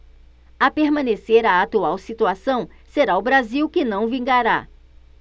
a permanecer a atual situação será o brasil que não vingará